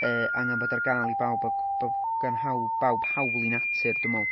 yy, angen bod ar gael i bawb ac bod gan hawl... bawb hawl i natur dwi'n meddwl.